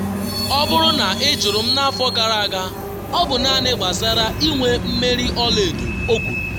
“Ọ bụrụ na ịjụrụ m n’afọ gara aga, ọ bụ naanị gbasara “Inwe mmeri ọla edo’. o kwuru.